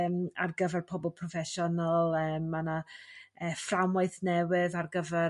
em ar gyfer pobol proffesiynol eem ma' 'na e fframwaith newydd ar gyfer